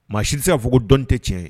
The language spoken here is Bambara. Maa si tɛ se ka fɔ ko dɔɔni tɛ tiɲɛ ye